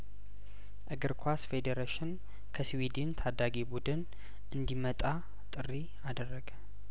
እግር ኳስ ፌዴሬሽን ከስዊድን ታዳጊ ቡድን እንዲ መጣ ጥሪ አደረገ